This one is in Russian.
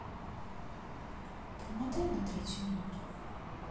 промотай на третью минуту